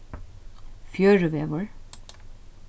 fjøruvegur